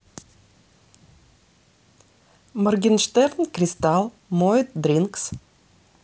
morgenshtern cristal моет drinks